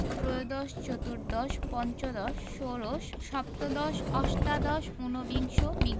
ত্ৰয়োদশ চতুর্দশ পঞ্চদশ ষোড়শ সপ্তদশ অষ্টাদশ উনবিংশ বিং